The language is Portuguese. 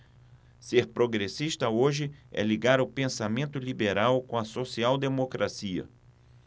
ser progressista hoje é ligar o pensamento liberal com a social democracia